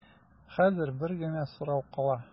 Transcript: Хәзер бер генә сорау кала.